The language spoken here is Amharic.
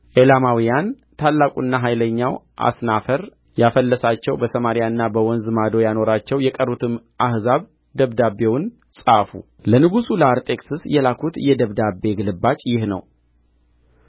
ኤላማውያን ታላቁና ኃይለኛው አስናፈር ያፈለሳቸው በሰማርያና በወንዝ ማዶ ያኖራቸው የቀሩትም አሕዛብ ደብዳቤውን ጻፉ ለንጉሡ ለአርጤክስስ የላኩት የደብዳቤ ግልባጭ ይህ ነው